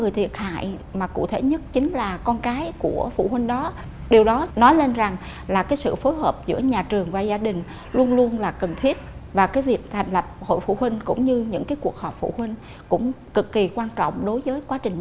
người thiệt hại mà cụ thể nhất chính là con cái của phụ huynh đó điều đó nói lên rằng là cái sự phối hợp giữa nhà trường và gia đình luôn luôn là cần thiết và cái việc thành lập hội phụ huynh cũng như những cái cuộc họp phụ huynh cũng cực kỳ quan trọng đối với quá trình